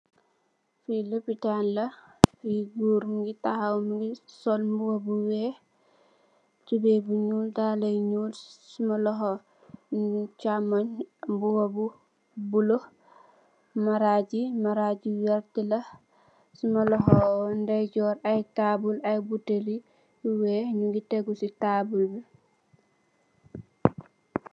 Fii lopitan la, fii gorre mungy takhaw, mungy sol mbuba bu wekh, tubeiyy bu njull, daalah yu njull, suma lokhor chaamongh mbuba bu bleu, marajj jii, marajj yu vertue la, suma lokhor ndeyjorr aiiy taabul, aiiy butehli lu wekh njungy tehgu cii taabul bii.